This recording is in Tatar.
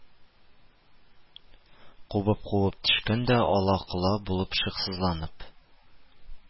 Кубып-кубып төшкән дә ала-кола булып шыксызланып